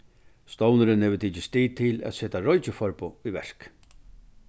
stovnurin hevur tikið stig til at seta roykiforboð í verk